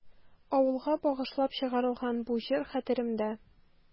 Авылга багышлап чыгарылган бу җыр хәтеремдә.